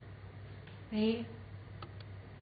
རེད